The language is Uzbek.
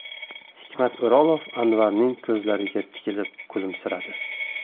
hikmat o'rolov anvarning ko'zlariga tikilib kulimsiradi